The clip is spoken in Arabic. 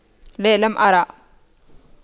لا لم ارى